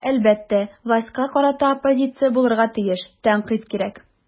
Әлбәттә, властька карата оппозиция булырга тиеш, тәнкыйть кирәк.